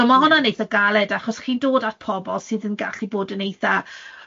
So ma' hwnna'n eitha' galed, achos chi'n dod at pobl sydd yn gallu bod yn eitha',